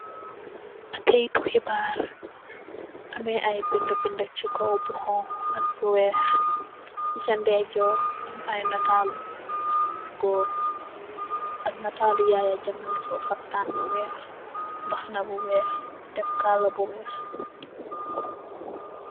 Ay kayitu xibaar, ame ay bind-bind ci kaw bu xonxu, ak bu weex, si sa ndeyjoor am ay nataaalu goor, ak nataalu Yaya Jamme, mu sol xaftaan bu weex, mbaxana bu weex, def kaala bu weex.